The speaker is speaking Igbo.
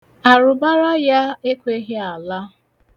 Arụbara ya ekweghị ala.